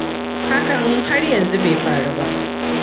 Hakan har yanzu bai faru ba.